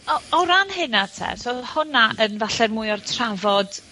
o o ran hyna te, so odd hwnna yn falle mwy o'r trafod